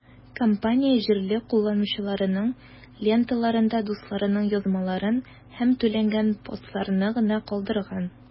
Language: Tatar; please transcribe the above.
Компания җирле кулланучыларның ленталарында дусларының язмаларын һәм түләнгән постларны гына калдырган.